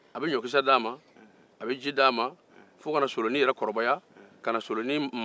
a bɛ ɲɔkisɛ ni ji d'a ma fo ka na solonin yɛrɛ kɔrɔbaya